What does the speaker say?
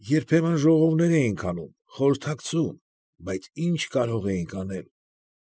Երբեմն ժողովներ էինք անում, խորհրդակցում, բայց ի՞նչ կարող էինք անել։